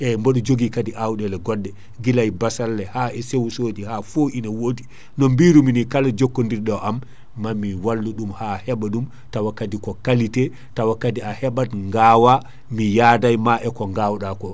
eyyi biɗo joogui kadi awɗele goɗɗe guilay bassalle ha e sewo sewoji ha foo ona wodi no birumi ni kala jokkodirɗo e am mami wallu ɗum ha heeɓa ɗum tawa kaadi ko qualité tawa kadi a heeɓat gawa mi yaada ema e ko gawɗa ko